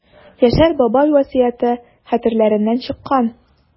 Яшәр бабай васыяте хәтерләреннән чыккан.